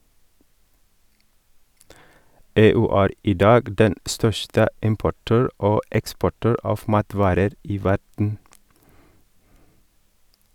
EU er i dag den største importør og eksportør av matvarer i verden.